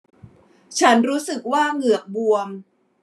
ฉันรู้สึกว่าเหงือกบวม